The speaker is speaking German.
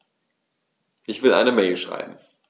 Ich will eine Mail schreiben.